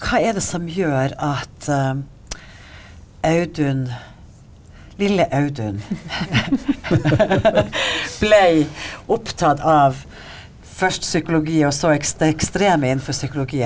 hva er det som gjør at Audun lille Audun blei opptatt av først psykologi og så det ekstreme innenfor psykologien.